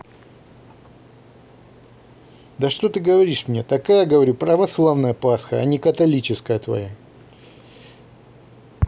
да что ты говоришь мне такая говорю православная пасха а не католическая твоя